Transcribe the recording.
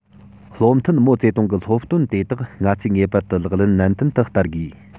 བློ མཐུན མའོ ཙེ ཏུང གི སློབ སྟོན དེ དག ང ཚོས ངེས པར དུ ལག ལེན ནན ཏན དུ བསྟར དགོས